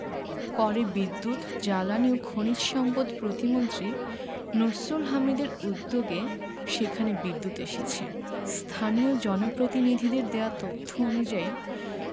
পরে বিদ্যুৎ জ্বালানি ও খনিজ সম্পদ প্রতিমন্ত্রী নসরুল হামিদদের উদ্যোগে সেখানে বিদ্যুৎ এসেছে স্থানীয় জনপ্রতিনিধিদের দেওয়া তথ্য অনুযায়ী